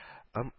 Ым